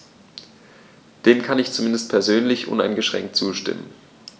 Dem kann ich zumindest persönlich uneingeschränkt zustimmen.